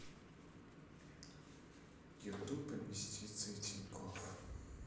ютуб инвестиции тиньков